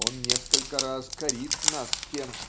он несколько раз корит нас тем